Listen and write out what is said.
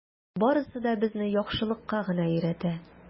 Барысы да безне яхшылыкка гына өйрәтә.